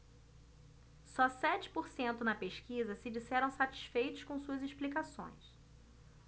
só sete por cento na pesquisa se disseram satisfeitos com suas explicações